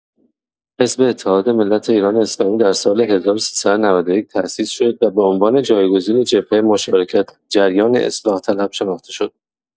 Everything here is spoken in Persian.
حزب اتحاد ملت ایران اسلامی در سال ۱۳۹۱ تأسیس شد و به عنوان جایگزین جبهه مشارکت در جریان اصلاح‌طلب شناخته شد.